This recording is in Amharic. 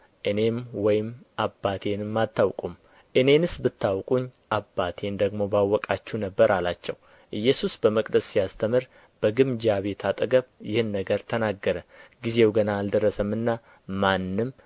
እኔንም ወይም አባቴንም አታውቁም እኔንስ ብታውቁኝ አባቴን ደግሞ ባወቃችሁ ነበር አላቸው ኢየሱስ በመቅደስ ሲያስተምር በግምጃ ቤት አጠገብ ይህን ነገር ተናገረ ጊዜው ገና አልደረሰምና ማንም